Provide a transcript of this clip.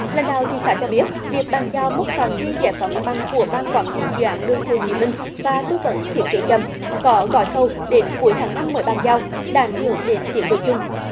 lãnh đạo thị xã cho biết việc bàn giao mốc phạm vi giải phóng mặt bằng của ban quản lý dự án đường hồ chí minh và tư vấn thiết kế chậm có gói thầu đến cuối tháng năm mới bàn giao đảm hưởng đến tiến độ chung